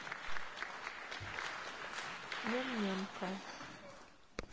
ням ням ка